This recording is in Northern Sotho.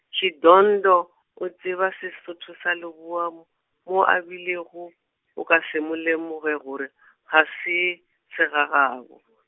Shidondho, o tseba Sesotho sa Leboa, m- mo a bilego, o ka se mo lemoge gore, ga se, segagabo .